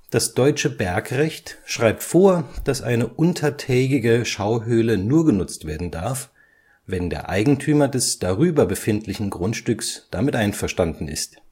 Das deutsche Bergrecht schreibt vor, dass eine untertägige Schauhöhle nur genutzt werden darf, wenn der Eigentümer des darüber befindlichen Grundstücks damit einverstanden ist